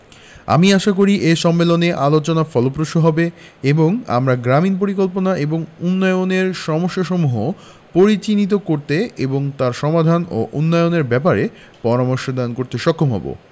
আমি আশা করি এ সম্মেলনে আলোচনা ফলপ্রসূ হবে এবং আমরা গ্রামীন পরিকল্পনা এবং উন্নয়নের সমস্যাসমূহ পরিচিহ্নিত করতে এবং তার সমাধান ও উন্নয়ন ব্যাপারে পরামর্শ দান করতে সক্ষম হবো